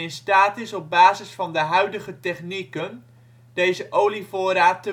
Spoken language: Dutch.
staat is op basis van de huidige technieken deze olievoorraad